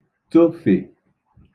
tofè